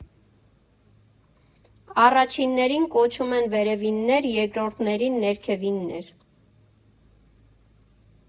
Առաջիններին կոչում են վերևիններ, երկրորդներին՝ ներքևիններ։